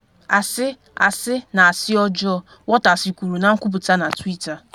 “Asị, asị, na asị ọjọọ,” Waters kwuru na nkwuputa na Twitter.